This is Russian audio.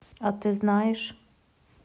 а ты знаешь